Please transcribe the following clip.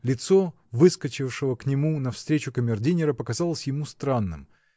Лицо выскочившего к нему навстречу камердинера показалось ему странным.